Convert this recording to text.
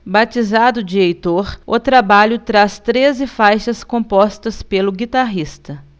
batizado de heitor o trabalho traz treze faixas compostas pelo guitarrista